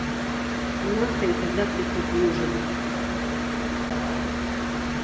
нахрен тогда ты тут нужен